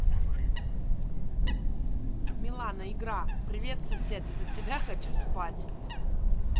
милана игра привет сосед из за тебя хочу спать